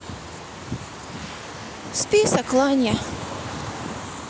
список ланья